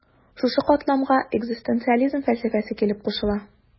Шушы катламга экзистенциализм фәлсәфәсе килеп кушыла.